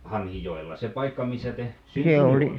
Hanhijoella se paikka missä te syntynyt olette